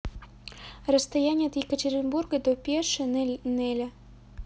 расстояние от екатеринбурга до пеше неля